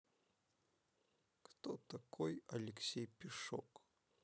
кто такой алексей пешок